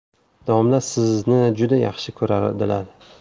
domla sizni juda yaxshi ko'radilar